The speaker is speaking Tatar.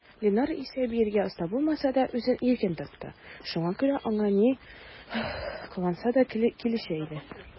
Линар исә, биергә оста булмаса да, үзен иркен тотты, шуңа күрә аңа ни кыланса да килешә иде.